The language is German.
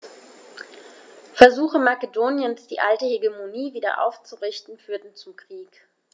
Versuche Makedoniens, die alte Hegemonie wieder aufzurichten, führten zum Krieg.